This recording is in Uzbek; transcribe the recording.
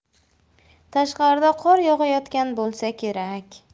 tashqarida qor yog'ayotgan bo'lsa kerak